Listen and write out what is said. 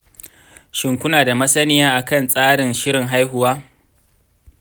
shin kuna da masaniya akan tsarin shirin haihuwa?